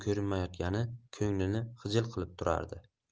ko'rinmayotgani ko'nglini xijil qilib turardi